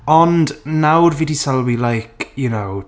Ond nawr fi 'di sylwi like you know...